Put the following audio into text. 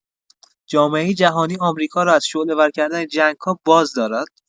جامعه جهانی آمریکا را از شعله‌ور کردن جنگ‌ها بازدارد.